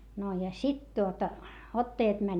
no ja sitten tuota ottajat meni